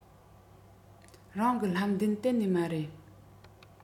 རང གི ལྷམ གདན གཏན ནས མ རེད